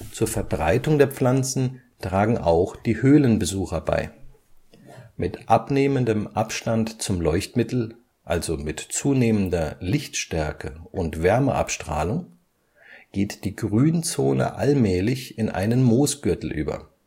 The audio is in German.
Zur Verbreitung der Pflanzen tragen auch die Höhlenbesucher bei. Mit abnehmendem Abstand zum Leuchtmittel, also mit zunehmender Lichtstärke und Wärmeabstrahlung, geht die Grünzone allmählich in einen Moosgürtel über